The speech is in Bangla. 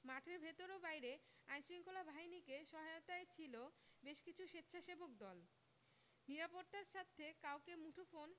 মাঠের ভেতর বাইরে আইনশৃঙ্খলা বাহিনীকে সহায়তায় ছিল বেশ কিছু স্বেচ্ছাসেবক দল নিরাপত্তার স্বার্থে কাউকে মুঠোফোন